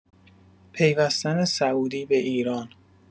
پیوستن سعودی به ایران